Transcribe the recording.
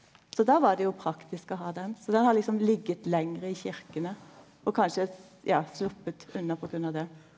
så då var det jo praktisk å ha den så den har liksom lege lengre i kyrkjene og kanskje ja sloppe unna pga. det.